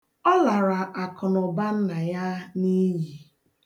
Ọ lara akụnụụba nna ya n'iyi.